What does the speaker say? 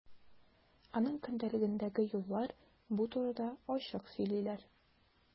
Аның көндәлегендәге юллар бу турыда ачык сөйлиләр.